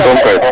jam som kay